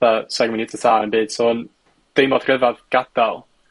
yy sai'n myn' i 'eud ta ta neu'm byd so o'n deimlo rhyffadd gadal